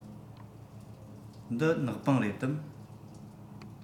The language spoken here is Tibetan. འདི ནག པང རེད དམ